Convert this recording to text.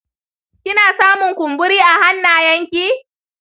kina samun kumburi a hannayenki?